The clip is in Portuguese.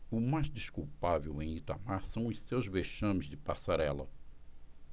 o mais desculpável em itamar são os seus vexames de passarela